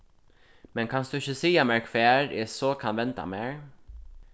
men kanst tú ikki siga mær hvar eg so kann venda mær